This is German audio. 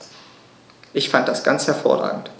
Ich fand das ganz hervorragend.